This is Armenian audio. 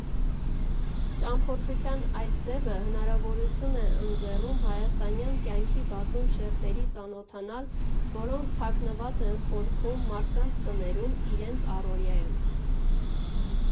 Ճամփորդության այս ձևը հնարավորություն է ընձեռում հայաստանյան կյանքի բազում շերտերի ծանոթանալ, որոնք թաքնված են խորքում, մարդկանց տներում, իրենց առօրյայում։